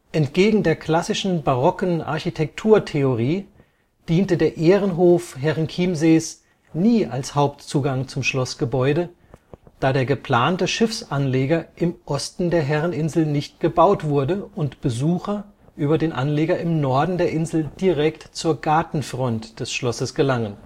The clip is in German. Entgegen der klassischen barocken Architekturtheorie diente der Ehrenhof Herrenchiemsees nie als Hauptzugang zum Schlossgebäude, da der geplante Schiffsanleger im Osten der Herreninsel nicht gebaut wurde und Besucher über den Anleger im Norden der Insel direkt zur Gartenfront des Schlosses gelangen